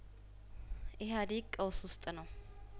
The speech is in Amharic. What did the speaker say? ኢህአዴግ ቀውስ ውስጥ ነው